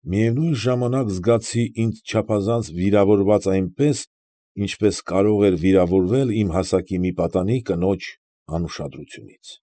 Միևնույն ժամանակ զգացի ինձ չափազանց վիրավորված այնպես, ինչպես կարող էր վիրավորվել իմ հասակի մի պատանի մի կնոջ անուշադրությունից։